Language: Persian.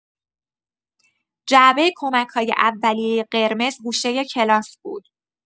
جعبه کمک‌‌های اولیه قرمز گوشه کلاس بود.